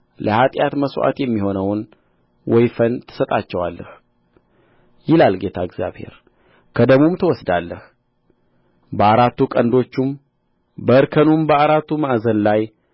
ለኃጢአት መሥዋዕት የሚሆነውን ወይፈን ትሰጣቸዋለህ ይላል ጌታ እግዚአብሔር ከደሙም ትወስዳለህ በአራቱ ቀንዶቹም በእርከኑም በአራቱ ማዕዘን ላይ